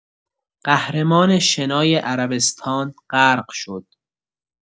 قهرمان شنای عربستان غرق شد!